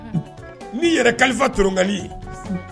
N'i yɛrɛ kalifa tongali ye